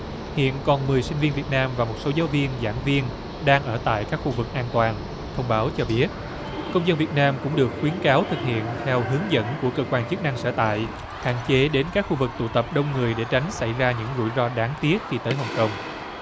hiện còn mười sinh viên việt nam và một số giáo viên giảng viên đang ở tại các khu vực an toàn thông báo cho biết công dân việt nam cũng được khuyến cáo thực hiện theo hướng dẫn của cơ quan chức năng sở tại hạn chế đến các khu vực tụ tập đông người để tránh xảy ra những rủi ro đáng tiếc khi tới hồng công